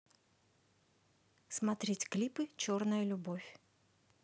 смотреть клипы черная любовь